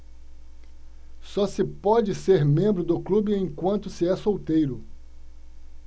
só se pode ser membro do clube enquanto se é solteiro